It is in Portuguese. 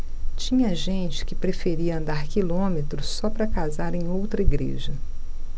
tinha gente que preferia andar quilômetros só para casar em outra igreja